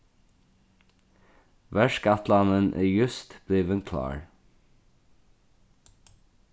verkætlanin er júst blivin klár